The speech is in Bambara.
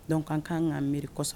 Dɔnku ka ka kan ka an miiri kɔsɔ